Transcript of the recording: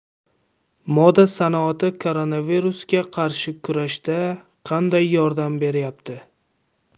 moda sanoati koronavirusga qarshi kurashda qanday yordam beryapti